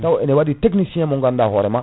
taw ene waɗi technicien mo ganduɗa hoorema